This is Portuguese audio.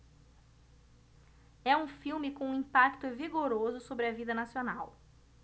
é um filme com um impacto vigoroso sobre a vida nacional